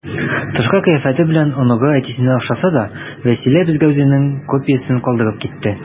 Тышкы кыяфәте белән оныгы әтисенә охшаса да, Вәсилә безгә үзенең копиясен калдырып китте.